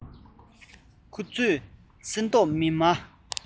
མཁུར ཚོས སིལ ཏོག སྨིན མ